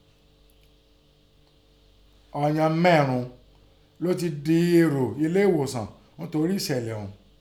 Ọ̀ọ̀yàn mẹẹ̀rún ún lọ́ ti di èrò elé ẹ̀ghòsàn ńtorí ẹ̀ṣẹ̀lẹ̀ ọ̀ún.